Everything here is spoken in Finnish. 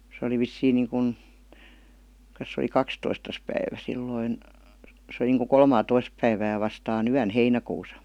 se oli vissiin niin kuin - se oli kahdestoista päivä silloin se oli niin kuin kolmattatoista päivää vastaan vastaan yönä heinäkuussa